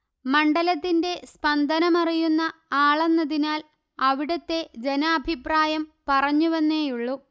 മണ്ഡലത്തിന്റെ സ്പന്ദനമറിയുന്ന ആളെന്നതിനാൽ അവിടത്തെ ജനാഭിപ്രായം പറഞ്ഞുവെന്നേയുള്ളു